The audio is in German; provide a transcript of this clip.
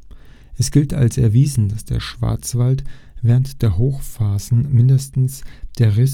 gilt als erwiesen, dass der Schwarzwald während der Hochphasen mindestens der Riß